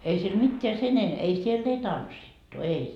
ei siellä mitään sen - ei siellä ei tanssittu ei